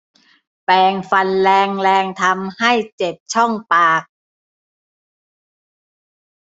แปรงฟันแรงแรงทำให้เจ็บช่องปาก